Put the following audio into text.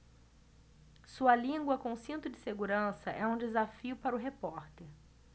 sua língua com cinto de segurança é um desafio para o repórter